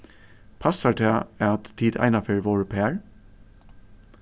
passar tað at tit einaferð vóru par